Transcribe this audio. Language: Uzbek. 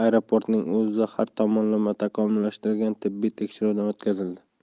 aeroportning o'zida har tomonlama takomillashtirilgan tibbiy tekshiruvdan o'tkazildi